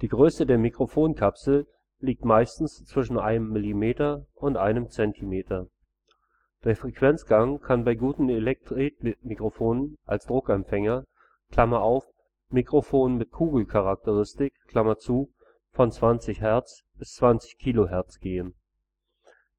Die Größe der Mikrofonkapsel liegt meistens zwischen einem Millimeter und einem Zentimeter. Der Frequenzgang kann bei guten Elektretmikrofonen als Druckempfänger (Mikrofon mit Kugelcharakteristik) von 20 Hz bis 20 kHz gehen.